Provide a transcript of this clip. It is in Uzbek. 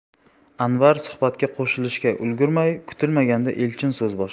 anvar suhbatga qo'shilishga ulgurmay kutilmaganda elchin so'z boshladi